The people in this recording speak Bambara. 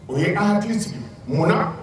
U ye an hakili sigi mun